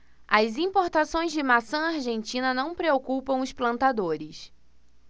as importações de maçã argentina não preocupam os plantadores